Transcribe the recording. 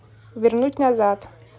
вернуть назад